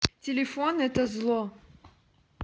телефон это зло